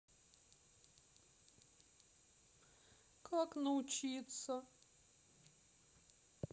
как научиться